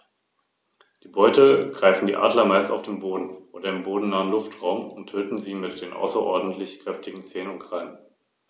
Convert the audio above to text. Das eigentliche Rückgrat der Verwaltung bildeten allerdings die Städte des Imperiums, die als halbautonome Bürgergemeinden organisiert waren und insbesondere für die Steuererhebung zuständig waren.